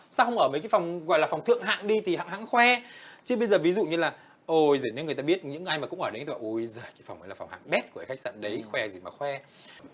sao không ở mấy cái phòng gọi là phòng thượng hạng đi thì hẵng khoe chứ bây giờ ví dụ như là ôi giồi nếu người ta biết những ai mà cũng ở đấy bảo ui giồi phòng đấy là phòng hạng bét của khách sạn lấy khoe gì mà khoe